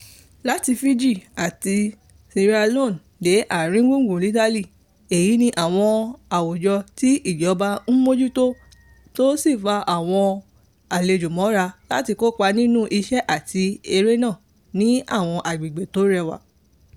Láti Fiji àti Sierra Leaone dé àárín gbùgbù Italy, èyí ní àwọn àwùjọ tí ìjọba ìbílẹ̀ ń mójútó tó sì ń fa àwọn àlejò mọ́ra láti kópa nínu iṣẹ́ àti eré náà ní àwọn agbègbè tó rẹwà.